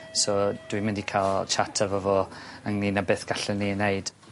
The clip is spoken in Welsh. So dwi mynd i ca'l chat efo fo ynglŷn â beth gallen ni ei neud.